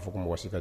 A fo mɔgɔ kan